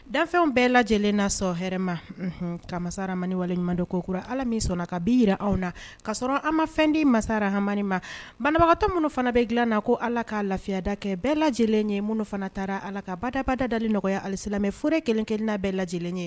Danfɛnw bɛɛ lajɛlen na sɔn hma ka masasaramani waleɲumando kokura ala min sɔnna ka bi jira aw na kasɔrɔ an ma fɛn di masara hamani ma banabagatɔ minnu fana bɛ dilan na ko ala k kaa lafiya da kɛ bɛɛ lajɛlen ye minnu fana taara ala ka ba dabada dali nɔgɔyaya halisimɛ fure kelenkelenina bɛɛ lajɛ lajɛlen ye